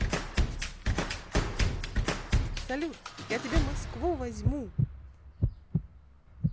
салют я тебе москву возьму